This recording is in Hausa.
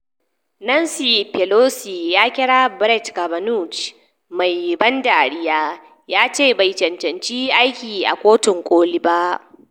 Nancy Pelosi ya kira Brett Kavanaugh "mai ban dariya," ya ce bai cacanci aiki a Kotun Koli ba